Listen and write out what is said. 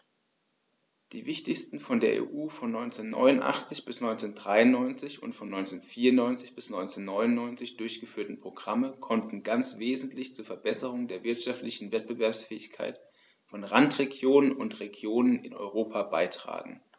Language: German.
Die wichtigsten von der EU von 1989 bis 1993 und von 1994 bis 1999 durchgeführten Programme konnten ganz wesentlich zur Verbesserung der wirtschaftlichen Wettbewerbsfähigkeit von Randregionen und Regionen in Europa beitragen.